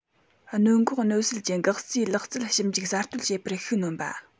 གནོད འགོག གནོད སེལ གྱི འགག རྩའི ལག རྩལ ཞིབ འཇུག གསར གཏོད བྱེད པར ཤུགས སྣོན པ